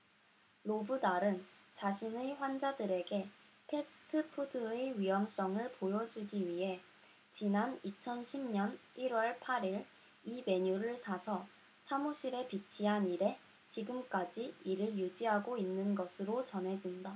로브달은 자신의 환자들에게 패스트푸드의 위험성을 보여주기 위해 지난 이천 십 년 일 월 팔 일 이 메뉴를 사서 사무실에 비치한 이래 지금까지 이를 유지하고 있는 것으로 전해진다